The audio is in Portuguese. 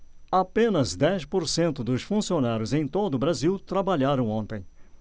apenas dez por cento dos funcionários em todo brasil trabalharam ontem